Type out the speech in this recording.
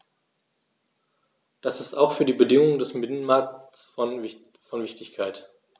Das ist auch für die Bedingungen des Binnenmarktes von Wichtigkeit.